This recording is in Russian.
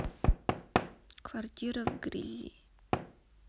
квартира в грязи